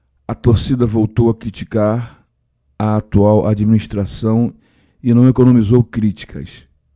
a torcida voltou a criticar a atual administração e não economizou críticas